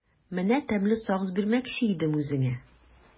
Менә тәмле сагыз бирмәкче идем үзеңә.